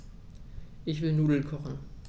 Ich will Nudeln kochen.